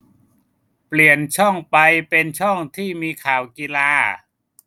เปลี่ยนช่องไปเป็นช่องที่มีข่าวกีฬา